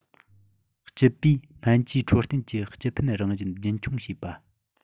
སྤྱི པའི སྨན བཅོས འཕྲོད བསྟེན གྱི སྤྱི ཕན རང བཞིན རྒྱུན འཁྱོངས བྱེད པ